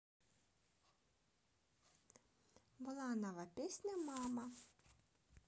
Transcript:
буланова песня мама